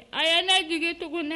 A y' jigi tugun